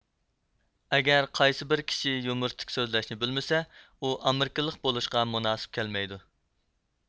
ئەگەر قايسىبىر كىشى يۇمۇرىستىك سۆزلەشنى بىلمىسە ئۇ ئامېرىكىلىق بولۇشقا مۇناسىپ كەلمەيدۇ